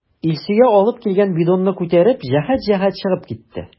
Илсөя алып килгән бидонны күтәреп, җәһәт-җәһәт чыгып китте.